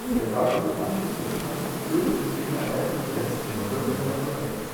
Der Sake wird anschließend in Tanks gefüllt, in denen er weitere sechs bis zwölf Monate reift